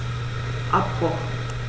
Abbruch.